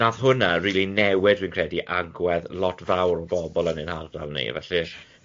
wnath hwnna rili newid, fi'n credu, agwedd lot fawr o bobl yn ein ardal ni, felly ie.